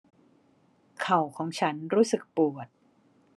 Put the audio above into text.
เข่าของฉันรู้สึกปวด